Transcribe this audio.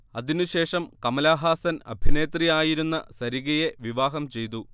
അതിനുശേഷം കമലഹാസൻ അഭിനേത്രി ആയിരുന്ന സരികയെ വിവാഹം ചെയ്തു